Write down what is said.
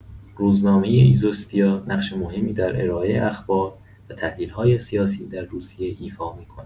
روزنامه ایزوستیا نقش مهمی در ارائه اخبار و تحلیل‌های سیاسی در روسیه ایفا می‌کند.